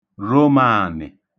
romāànị̀